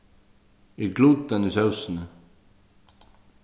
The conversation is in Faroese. er gluten í sósini